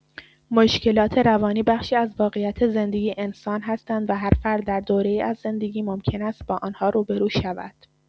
مشکلات روانی بخشی از واقعیت زندگی انسان هستند و هر فرد در دوره‌ای از زندگی ممکن است با آن‌ها روبه‌رو شود.